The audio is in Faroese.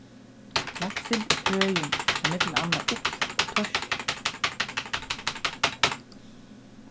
lakssild er føði hjá millum annað upsa og toski